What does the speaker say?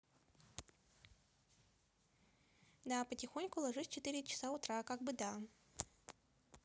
да потихоньку ложусь в четыре часа утра как бы да